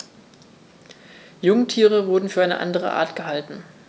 Jungtiere wurden für eine andere Art gehalten.